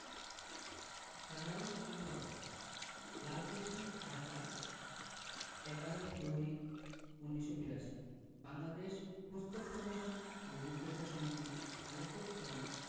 সাধারণ সম্পাদক লালকুঠি ঢাকা ১১/০২/১৯৮২ বাংলাদেশ পুস্তক প্রকাশক ও বিক্রেতা সমিতি কালেক্টেড ফ্রম